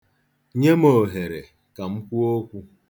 Nye m ohere ka m kwuo okwu.